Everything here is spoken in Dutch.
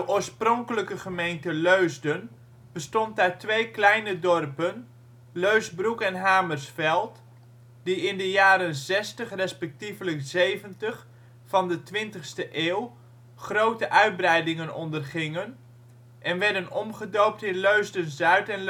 oorspronkelijke gemeente Leusden bestond uit twee kleine dorpen, Leusbroek en Hamersveld, die in de jaren zestig resp. zeventig van de 20e eeuw grote uitbreidingen ondergingen en werden omgedoopt in Leusden-Zuid en Leusden-Centrum